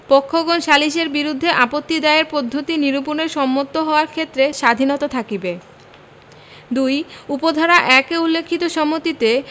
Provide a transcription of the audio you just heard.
পক্ষগণ সালিসের বিরুদ্ধে আপত্তি দায়েরের পদ্ধতি নিরুপণের সম্মত হওয়ার ক্ষেত্রে স্বাধীনতা থাকিবে ২ উপ ধারা ১ এ উল্লেখিত সম্মতিতে